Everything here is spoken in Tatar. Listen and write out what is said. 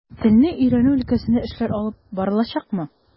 Телне өйрәнү өлкәсендә эшләр алып барылачакмы?